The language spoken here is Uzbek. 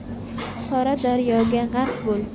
qora daryoga g'arq bo'l